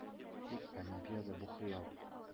Тик Олимпиада - бу хыял!